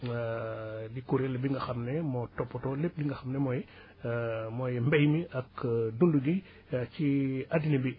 di kuréel bi nga xam ne moo toppatoo lépp li nga xam ne mooy mooy mbay mi ak dund gi ci adduna bi